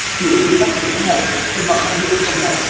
hiểu nguyên tắc của ngũ hành cân bằng năng lượng trong nhà